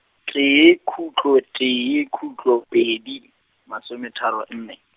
tee khutlo, tee khutlo, pedi, masometharo nne.